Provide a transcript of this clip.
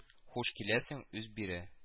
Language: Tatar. Хуш киләсең, уз бире